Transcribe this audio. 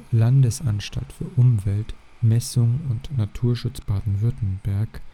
Landesanstalt für Umwelt, Messungen und Naturschutz Baden-Württemberg